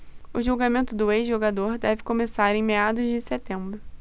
o julgamento do ex-jogador deve começar em meados de setembro